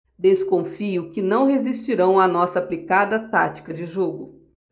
desconfio que não resistirão à nossa aplicada tática de jogo